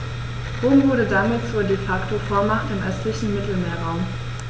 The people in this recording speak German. Rom wurde damit zur ‚De-Facto-Vormacht‘ im östlichen Mittelmeerraum.